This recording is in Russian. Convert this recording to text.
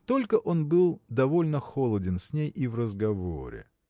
только он был довольно холоден с ней и в разговоре.